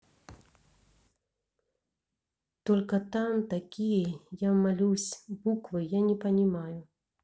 только там такие я молюсь буквы я не понимаю